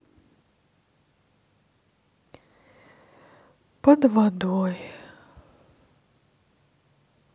под водой